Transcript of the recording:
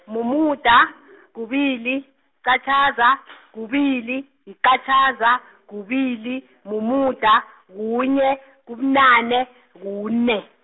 mumuda, kubili, -qatjhaza, kubili, yiqatjhaza, kubili, mumuda, kunye, kubunane, kune.